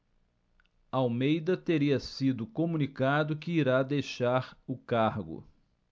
almeida teria sido comunicado que irá deixar o cargo